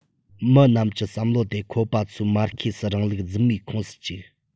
མི རྣམས ཀྱི བསམ བློ དེ ཁོ པ ཚོའི མར ཁེ སིའི རིང ལུགས རྫུན མའི ཁོངས སུ བཅུག